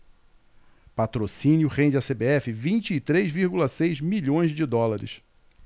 patrocínio rende à cbf vinte e três vírgula seis milhões de dólares